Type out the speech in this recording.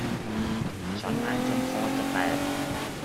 ฉันไอจนคอจะแตก